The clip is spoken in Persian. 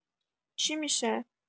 چی می‌شه؟